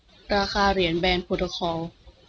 ราคาเหรียญแบรนด์โปรโตคอล